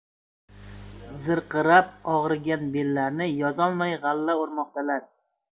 zirqirab og'rigan bellarini yozolmay g'alla o'rmoqdalar